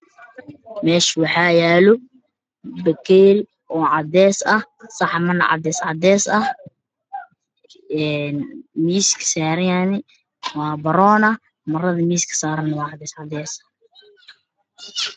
Meeshaan waxaa yaalo bakeeri cadeys ah, saxaman cadeys ah miiska uu saaran yahay waa baroon marada miiska saaran waa cadeys.